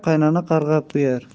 qaynona qarg'ab kuyar